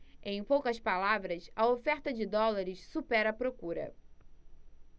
em poucas palavras a oferta de dólares supera a procura